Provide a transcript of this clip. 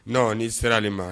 Nɔn i serali ma